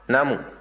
naamu